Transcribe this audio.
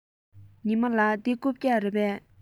ཉི མ ལགས འདི རྐུབ བཀྱག རེད པས